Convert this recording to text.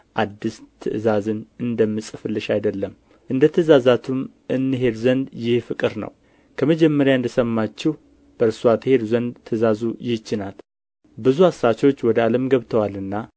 አዲስ ትእዛዝን እንደምጽፍልሽ አይደለም እንደ ትእዛዛቱም እንሄድ ዘንድ ይህ ፍቅር ነው ከመጀመሪያ እንደ ሰማችሁ በእርስዋ ትሄዱ ዘንድ ትእዛዙ ይህች ናት ብዙ አሳቾች ወደ ዓለም ገብተዋልና